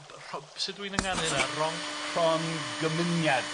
b- rho- b- sut dwi'n ynganu 'na? Rong-... Rhongymuniad.